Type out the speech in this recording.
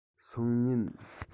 སང ཉིན